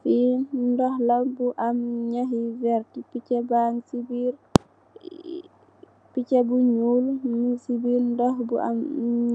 Fii ndox la bu am ñax yu am lu vértë. Picha bu ñuul, mung si biir ndox bi mu ngi am